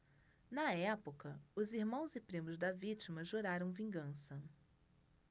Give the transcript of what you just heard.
na época os irmãos e primos da vítima juraram vingança